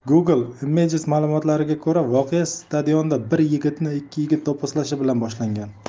google imagesma'lumotlarga ko'ra voqea stadionda bir yigitni ikki yigit do'pposlashi bilan boshlangan